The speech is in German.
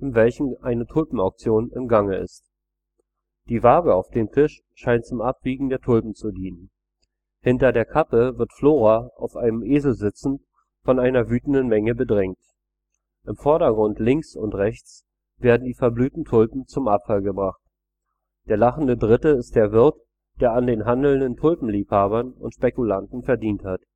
welchem eine Tulpenauktion im Gange ist. Die Waage auf dem Tisch scheint zum Abwiegen der Tulpen zu dienen. Hinter der Kappe wird Flora, auf einem Esel sitzend, von einer wütenden Menge bedrängt. Im Vordergrund links und rechts werden die verblühten Tulpen zum Abfall gebracht. Der lachende Dritte ist der Wirt, der an den handelnden Tulpenliebhabern und Spekulanten verdient hat